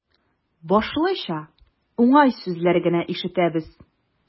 Башлыча, уңай сүзләр генә ишетәбез.